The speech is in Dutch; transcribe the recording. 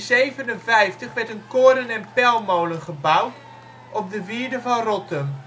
1857 werd een koren - en pelmolen gebouwd op de wierde van Rottum